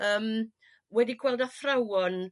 Yrm wedi gweld athrawon